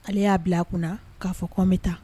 Ale y'a bila a kunna k'a fɔ kɔnm bɛ taa